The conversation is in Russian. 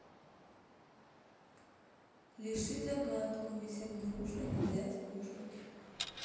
леши загадку висит груша нельзя скушать